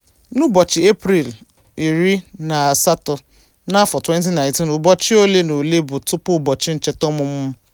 N'ụbọchị Eprel 18 n'afọ 2019, ụbọchị ole na ole tụpụ ụbọchị ncheta ọmụmụ m, etinyere m akwụkwọ visa m iji gaa nzukọ Lisbon n'ụlọọrụ VFS Global dị na Lekki, Lagos.